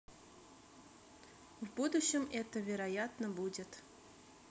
в будущем это вероятно будет